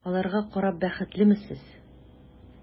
Аларга карап бәхетлеме сез?